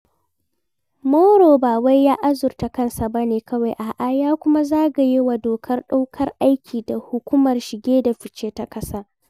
Moro ba wai ya azurta kansa bane kawai, a'a ya kuma zagayewa dokar ɗaukar aiki ta Hukumar Shige da fice ta ƙasa.